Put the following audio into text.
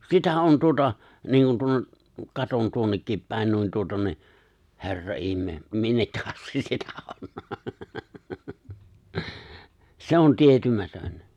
sitä on tuota niin kuin tuonne katson tuonnekin päin niin tuota niin herra ihme minne asti sitä on se on tietymätön